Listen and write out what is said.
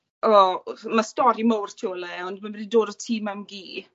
o, ma' stori mowr to ôl e ond ma' wedi dod o tŷ mamgu...